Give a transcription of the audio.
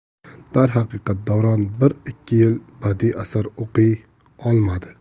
darhaqiqat davron bir ikki yil badiiy asar o'qiy olmadi